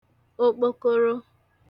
okpokoro